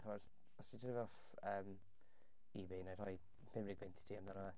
Chimod os ti'n tynnu fe off yym Ebay wna i rhoi pump deg punt i ti amdano fe